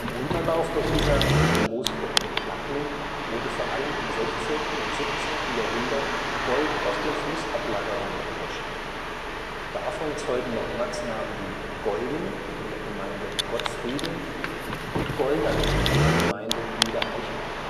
Unterlauf der Isar zwischen Moosburg und Plattling wurde vor allem im 16. und 17. Jahrhunderts Gold aus den Flussablagerungen gewaschen. Davon zeugen noch Ortsnamen wie Golding (Gemeinde Gottfrieding) und Goldern (Gemeinde Niederaichbach